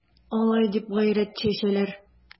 Алай дип гайрәт чәчәләр...